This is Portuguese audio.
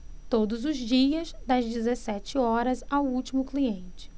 todos os dias das dezessete horas ao último cliente